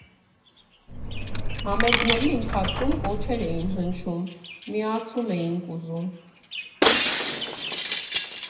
Համերգների ընթացքում կոչեր էին հնչում, «միացում» էինք ուզում։